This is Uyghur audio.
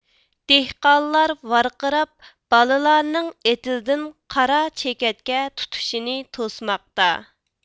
دېھقانلار ۋارقىراپ بالىلارنىڭ ئېتىزدىن قارا چېكەتكە تۇتۇشىنى توسماقتا